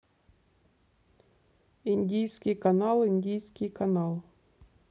индийский канал индийский канал